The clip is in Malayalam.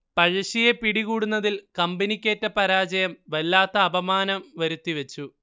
പഴശ്ശിയെ പിടികൂടുന്നതിൽ കമ്പനിക്കേറ്റ പരാജയം വല്ലാത്ത അപമാനം വരുത്തിവെച്ചു